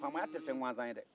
faamaya tɛ fɛn gansan ye de